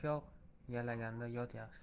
yog' yalaganda yot yaxshi